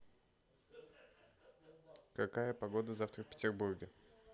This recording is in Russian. какая погода завтра в петербурге